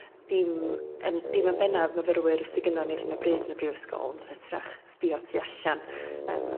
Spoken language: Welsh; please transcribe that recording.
dim yn... dim yn bennaf myfyrwyr sy gyno ni ar hyn o bryd yn y Brifysgol ond yn hytrach sbïo tu allan yym